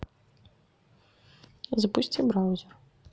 запусти браузер